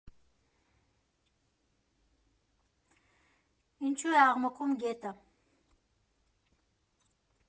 Ինչո՞ւ է աղմկում գետը։